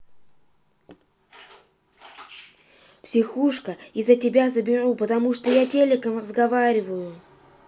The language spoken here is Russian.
психушка из за тебя заберу потому что я с телеком разговариваю